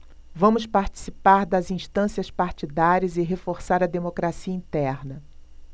vamos participar das instâncias partidárias e reforçar a democracia interna